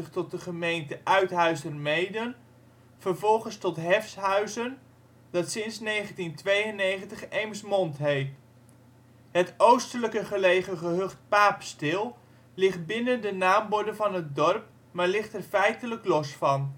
tot de gemeente Uithuizermeeden, vervolgens tot Hefshuizen, dat sinds 1992 Eemsmond heet. Het oostelijker gelegen gehucht Paapstil ligt binnen de naamborden van het dorp, maar ligt er feitelijk los van